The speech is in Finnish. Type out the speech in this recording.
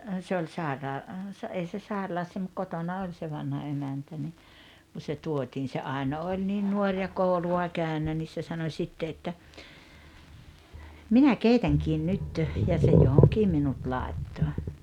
se oli -- ei se sairaalassa mutta kotona oli se vanha emäntä niin kun se tuotiin se Aino oli niin nuori ja koulua käynyt niin se sanoi sitten että minä keitänkin nyt ja se johonkin minut laittoi